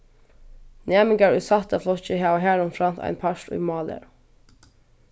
næmingar í sætta flokki hava harumframt ein part í mállæru